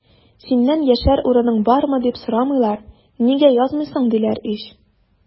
Синнән яшәр урының бармы, дип сорамыйлар, нигә язмыйсың, диләр ич!